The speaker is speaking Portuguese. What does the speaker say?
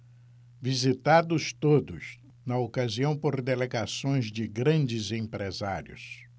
visitados todos na ocasião por delegações de grandes empresários